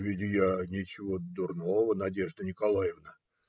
- Ведь я ничего дурного, Надежда Николаевна.